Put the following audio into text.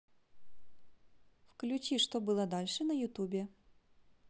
включи что было дальше на ютубе